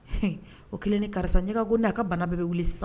O kelen ni karisa ɲɛka ko n'a ka bana bɛɛ bɛ wuli sa